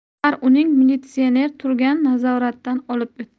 anvar uning militsioner turgan nazoratdan olib o'tdi